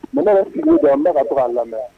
N bɛ sigi don n bɛ ka k a lamɛn